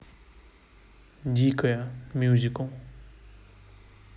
дикая мюзикл